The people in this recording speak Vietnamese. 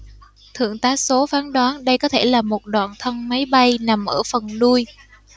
thượng tá số phán đoán đây có thể là một đoạn thân máy bay nằm ở phần đuôi